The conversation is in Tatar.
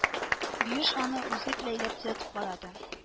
Биюш аны үзе келәйләп төзәтеп карады